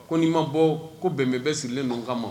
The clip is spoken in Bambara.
Ko n'i ma bɔ ko bɛnbɛn bɛ sirilen ninnu ka